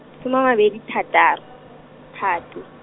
soma a mabedi thataro , Phatwe.